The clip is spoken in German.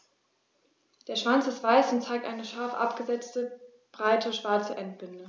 Der Schwanz ist weiß und zeigt eine scharf abgesetzte, breite schwarze Endbinde.